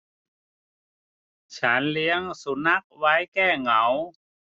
ฉันเลี้ยงสุนัขไว้แก้เหงา